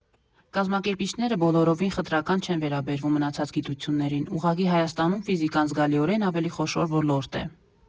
Կազմակերպիչները բոլորովին խտրական չեն վերաբերվում մնացած գիտություններին, ուղղակի Հայաստանում ֆիզիկան զգալիորեն ավելի խոշոր ոլորտ է։